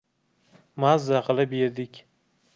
maza qilib yedik